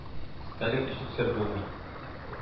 Сталин өчен сер булмый,